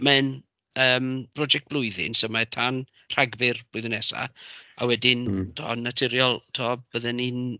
Mae e'n yym brosiect blwyddyn, so mae e tan Rhagfyr blwyddyn nesa , a wedyn... m-hm. ...timod yn naturiol timod bydden ni'n